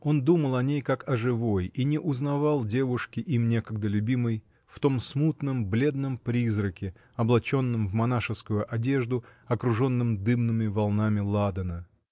он думал о ней, как о живой, и не узнавал девушки, им некогда любимой, в том смутном, бледном призраке, облаченном в монашескую одежду, окруженном дымными волнами ладана.